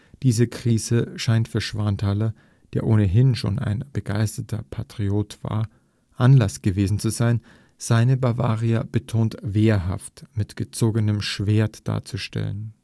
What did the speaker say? Diese Krise scheint für Schwanthaler, der ohnehin schon ein begeisterter Patriot war, Anlass gewesen zu sein, seine Bavaria betont wehrhaft mit gezogenem Schwert darzustellen